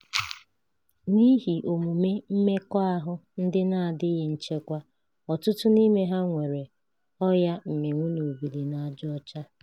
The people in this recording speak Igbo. N'ihi omume mmekọahụ ndị na-adịghị nchekwa, ọtụtụ n'ime ha nwere HIV na AIDS.